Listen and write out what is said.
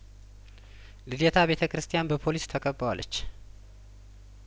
ልደታ ቤተ ክርስቲያን በፖሊስ ተከባዋለች